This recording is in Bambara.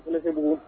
Ala tɛbugu